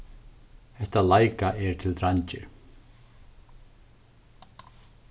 hetta leikað er til dreingir